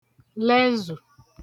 lẹzù